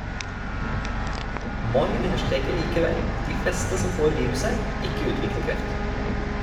Moi understreker likevel at de fleste som får viruset ikke utvikler kreft.